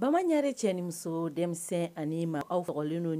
Bamaɲare cɛ ni muso . Denmisɛn ani maa aw sɔgɔlen don